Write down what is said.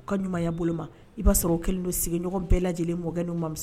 U ka ɲumanya bolo ma i b'a sɔrɔ o kelen don sigiɲɔgɔn bɛɛ lajɛ lajɛlen mɔgɔ n'u mamuso